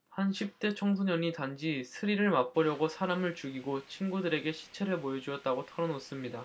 한 십 대 청소년이 단지 스릴을 맛보려고 사람을 죽이고 친구들에게 시체를 보여 주었다고 털어놓습니다